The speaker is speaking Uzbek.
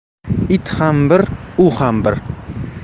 it ham bir u ham bir